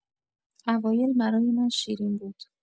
اوایل برایمان شیرین بود.